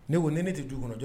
Ne ko ne tɛ jo kɔnɔjɔ